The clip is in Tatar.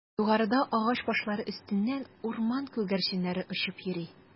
Югарыда агач башлары өстеннән урман күгәрченнәре очып йөри.